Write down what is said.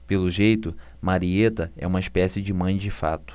pelo jeito marieta é uma espécie de mãe de fato